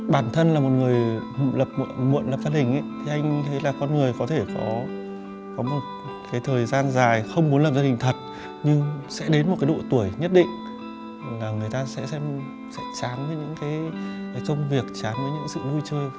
bản thân là một người lập muộn lập gia đình ấy thì anh thấy là con người có thể có có một cái thời gian dài không muốn lập gia đình thật nhưng sẽ đến một cái độ tuổi nhất định là người ta sẽ xem sẽ chán với những cái công việc chán với những sự vui chơi và